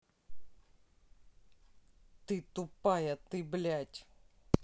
ты тупая ты блядь